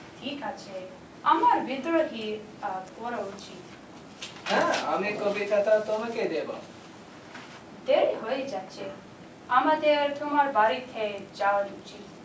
আমার বিদ্রোহী পড়া উচিত হ্যাঁ আমি কবিতাটা তোমাকে দেবো দেরি হয়ে যাচ্ছে আমাদের তোমার বাড়িতে যাওয়া উচিত